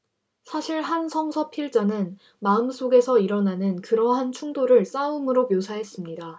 사실 한 성서 필자는 마음속에서 일어나는 그러한 충돌을 싸움으로 묘사했습니다